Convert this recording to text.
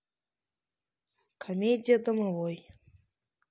комедия домовой